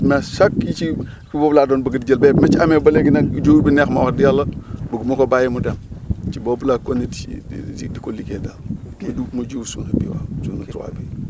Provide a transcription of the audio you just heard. mais chaque kii ci foofu laa doon bëgg di jël bee bi ma ci amee ba léegi nag jiw bu neex ma wax dëgg yàlla bëgguma ko bàyyi mu def ci boobu laa continué di ci di ko liggéey daal kii du ma jiw suuna bi waaw suuna trois bi